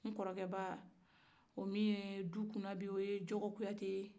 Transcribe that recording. n kɔrɔkɛba o min ye du kun na bi o ye jɔgɔ kuyate ye